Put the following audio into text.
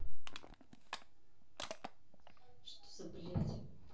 что за блядь